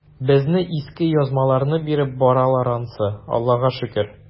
Безнең иске язмаларны биреп баралар ансы, Аллага шөкер.